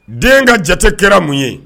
Den ka jate kɛra mun ye